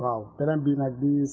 waaw beneen bi nag di